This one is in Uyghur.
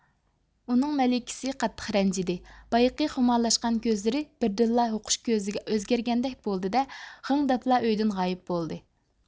ئۇنىڭ مەلىكىسى قاتتىق رەنجىدى بايىقى خۇمارلاشقان كۆزلىرى بىردىنلا ھوقۇش كۆزىگە ئۆزگەرگەندەك بولدى دە خىڭ دەپلا ئۆيدىن غايىپ بولدى